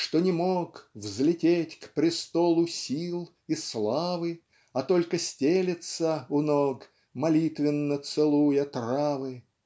что не мог Взлететь к престолу Сил и Славы А только стелется у ног Молитвенно целуя травы